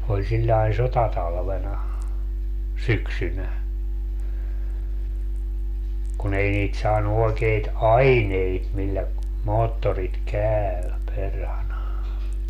oli sillä lailla sotatalvena syksynä kun ei niitä saanut oikeita aineita millä moottorit käy perhana